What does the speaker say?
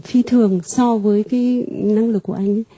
phi thường so với cái năng lực của anh ý